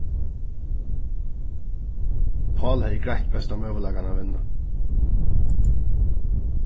pál hevði greitt besta møguleikan at vinna